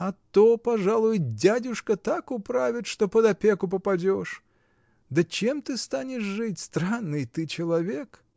А то, пожалуй, дядюшка так управит, что под опеку попадешь! Да чем ты станешь жить? Странный ты человек!